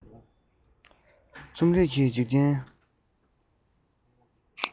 རྩོམ རིག གི འཇིག རྟེན